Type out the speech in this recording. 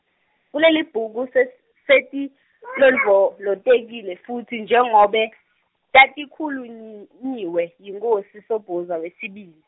Kulelibhuku ses- setilondvolotekile futsi njengobe , tatikhulun- -nyiwe, yinkhosi Sobhuza wesibili.